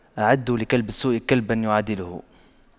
أعدّوا لكلب السوء كلبا يعادله